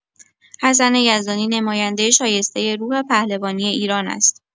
حسن یزدانی نماینده شایسته روح پهلوانی ایران است.